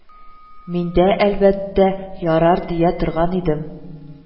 Миндә, әлбәттә, "ярар" дия торган идем